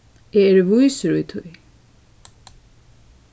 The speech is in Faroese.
eg eri vísur í tí